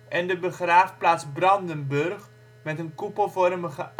en de begraafplaats Brandenburg met een koepelvormige